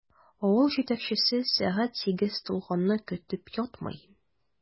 Авыл җитәкчесе сәгать сигез тулганны көтеп ятмый.